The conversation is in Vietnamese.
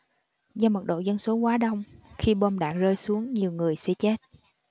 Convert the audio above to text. do mật độ dân số quá đông khi bom đạn rơi xuống nhiều người sẽ chết